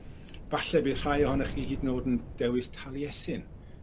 Falle bydd rhai ohonoch chi hyd yn o'd 'n dewis Taliesin.